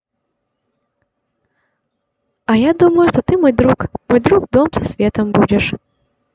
а я думаю что ты мой друг мой друг дом со светом будешь